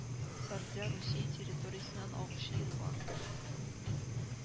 Сардя Русия территориясеннән агучы елга